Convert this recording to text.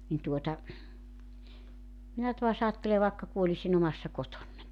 niin tuota minä taas ajattelen vaikka kuolisin omassa kotonani